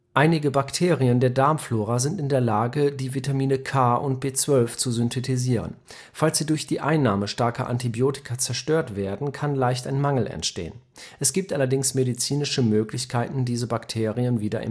Einige Bakterien der Darmflora sind in der Lage, die Vitamine K und B12 zu synthetisieren. Falls sie durch die Einnahme starker Antibiotika zerstört werden, kann leicht ein Mangel entstehen. Es gibt allerdings medizinische Möglichkeiten, diese Bakterien wieder